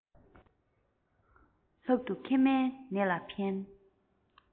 ལྷག ཏུ མཁལ མའི ནད ལ ཕན